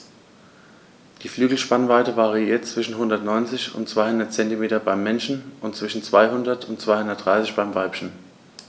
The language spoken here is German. Die Flügelspannweite variiert zwischen 190 und 210 cm beim Männchen und zwischen 200 und 230 cm beim Weibchen.